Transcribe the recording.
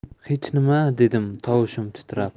hech nima dedim tovushim titrab